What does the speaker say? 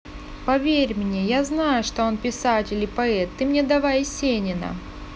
поверь мне я знаю что он писатель и поэт ты мне давай есенина